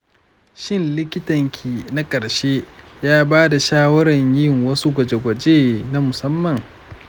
shin likitanki na ƙarshe ya ba da shawarar yin wasu gwaje-gwaje na musamman?